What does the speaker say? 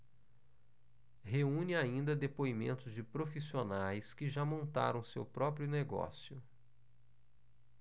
reúne ainda depoimentos de profissionais que já montaram seu próprio negócio